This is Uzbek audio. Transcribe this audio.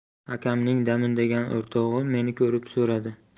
akamning damin degan o'rtog'i meni ko'rib so'radi